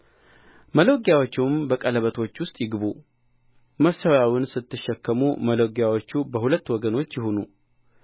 መሎጊያዎቹም በቀለበቶች ውስጥ ይግቡ መሠዊያውንም ስትሸከሙ መሎጊያዎቹ በሁለቱ ወገኖች ይሁኑ